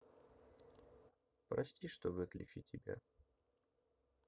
прости что выключи тебя